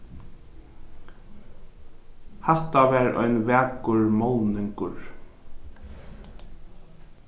hatta var ein vakur málningur